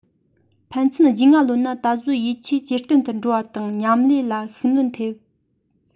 ཕན ཚུན རྒྱུས མངའ ལོན ན ད གཟོད ཡིད ཆེས ཇེ བརྟན དུ འགྲོ བ དང མཉམ ལས ལ ཤུགས སྣོན ཐེབས